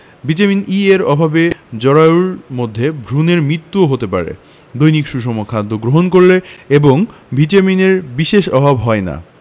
vitamin E এর অভাবে জরায়ুর মধ্যে ভ্রুনের মৃত্যুও হতে পারে দৈনিক সুষম খাদ্য গ্রহণ করলে এই ভিটামিনের বিশেষ অভাব হয় না